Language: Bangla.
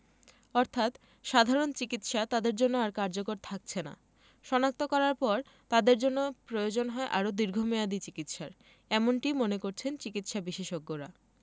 অর্থাৎ সাধারণ চিকিৎসা তাদের জন্য আর কার্যকর থাকছেনা শনাক্ত করার পর তাদের জন্য প্রয়োজন হয় আরও দীর্ঘমেয়াদি চিকিৎসার এমনটিই মনে করছেন চিকিৎসাবিশেষজ্ঞরা